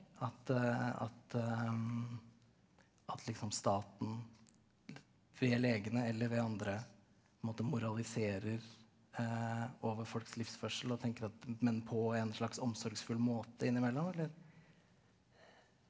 at at at liksom staten via legene eller ved andre på en måte moraliserer over folks livsførsel og tenker at men på en slags omsorgsfull måte innimellom eller?